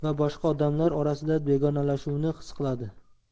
va boshqa odamlar orasida begonalashuvni his qiladi